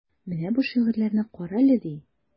Менә бу шигырьләрне карале, ди.